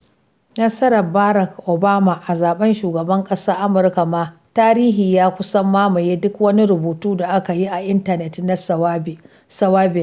Nasarar Barack Obama a zaɓen Shugaban ƙasar Amurka mai tarihi ya kusan mamaye duk wani rubutu da aka yi a intanet na Swahili.